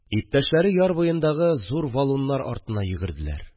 Иптәшләре яр буендагы зур валуннар артына йөгерделәр